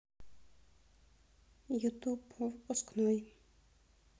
ютуб выпускной